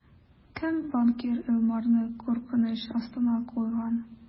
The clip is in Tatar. Кем банкир Илмарны куркыныч астына куйган?